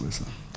ndeysaan